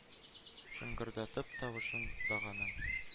Шыңгырдатып тавышын даганың